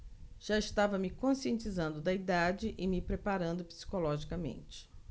já estava me conscientizando da idade e me preparando psicologicamente